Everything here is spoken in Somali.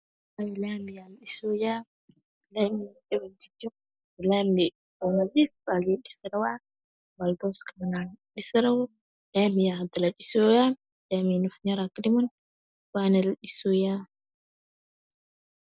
Meshaan laami aa laga dhisoyaa laami nadiif aa laidhisi rabaa laami aa dhisoyaa laamigana wax yar aa ka dhiman waana ladhisoyaa